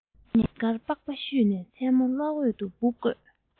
ཉིན དཀར པགས པ བཤུས མཚན མོར གློག སྒྲོན འོག ཏུ འབུ བརྐོས